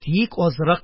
Тик азрак